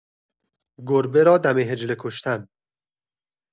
گربه را دم حجله کشتن